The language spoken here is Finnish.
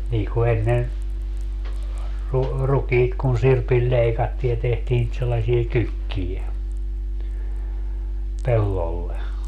niin kuin ennen - rukiit kun sirpillä leikattiin ja tehtiin niitä sellaisia kykkiä pellolle